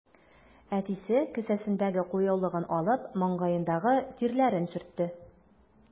Әтисе, кесәсендәге кулъяулыгын алып, маңгаендагы тирләрен сөртте.